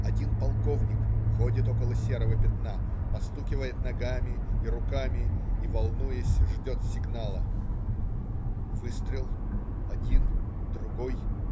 Один полковник ходит около серого пятна, постукивает ногами и руками и, волнуясь, ждет сигнала. Выстрел!. один, другой.